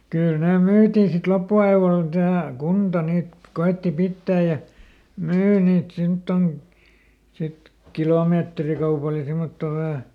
kyllä ne myytiin sitten loppuajalla tähän kunta niitä koetti pitää ja myy niitä semmottoon sitten kilometrikaupalla ja semmottoon vähän